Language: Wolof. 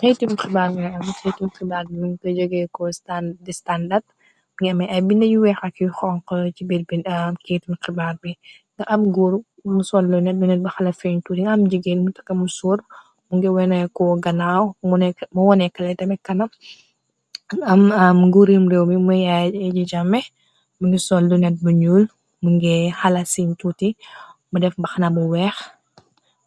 xeytum xibaar min am seytum xibaar bi luñ ka jegeeko di standard mngi ame ay bi Na yu weexak yu xonxoor ci bir biam keytum xibaar bi nga am góur mu sollu net nu net bu xala fin tuuti nga am jigeen mu taka mu soor mko ganaaw mu wonekale teme kana am guurum réew bi muyaye ji jame bi ngi sol du net bu ñuul mu ngi xala sin tuuti mu def baxna bu weex